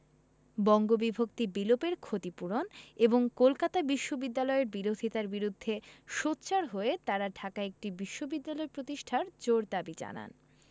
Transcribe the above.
বঙ্গবিভক্তি বিলোপের ক্ষতিপূরণ এবং কলকাতা বিশ্ববিদ্যালয়ের বিরোধিতার বিরুদ্ধে সোচ্চার হয়ে তারা ঢাকায় একটি বিশ্ববিদ্যালয় প্রতিষ্ঠার জোর দাবি জানান